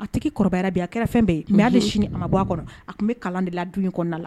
A tigi kɔrɔbaya bɛ a kɛrɛfɛ fɛn yen mɛya de sini a ma bɔ a kɔnɔ a tun bɛ kalan de la du in kɔnɔna la